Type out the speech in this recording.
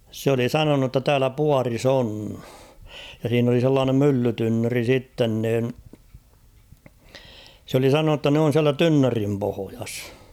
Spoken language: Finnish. se oli sanonut jotta täällä puodissa on ja siinä oli sellainen myllytynnyri sitten niin se oli sanonut jotta ne on siellä tynnyrin pohjassa